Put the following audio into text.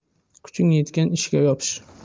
kuching yetgan ishga yopish